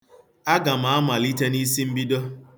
Aga m amalite n'isimbido.